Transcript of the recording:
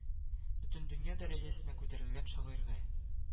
Бөтендөнья дәрә әсенә күтәрелгән шагыйрьгә